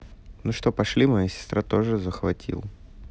ну что пошли моя сестра тоже захватил